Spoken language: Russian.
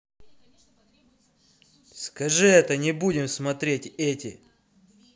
скажи это не будем смотреть эти